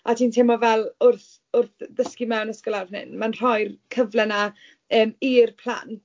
A ti'n teimlo fel wrth wrth ddysgu mewn ysgol lawr fan hyn, mae'n rhoi'r cyfle 'na yym i'r plant.